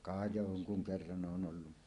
ka jonkun kerran olen ollut